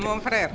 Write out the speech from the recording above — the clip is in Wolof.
mon frère